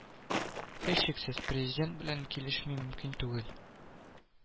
Һичшиксез, Президент белән килешми мөмкин түгел